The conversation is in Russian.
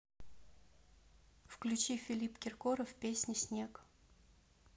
включи филипп киркоров песня снег